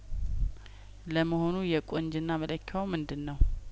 ለመሆኑ የቁንጅና መለኪያው ምንድነው